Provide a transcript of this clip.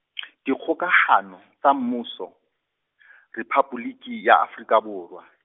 Dikgokahano, tsa Mmuso , Rephaboliki, ya Afrika Borwa.